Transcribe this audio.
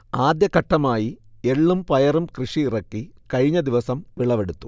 ആദ്യഘട്ടമായി എള്ളും പയറും കൃഷിയിറക്കി കഴിഞ്ഞദിവസം വിളവെടുത്തു